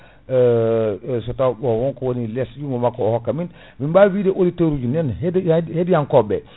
so taw wonko kowoni less ƴuggo makko o hokka min min bawi wide auditeur ruji nene heɗi han heɗiyankoɓe ɓe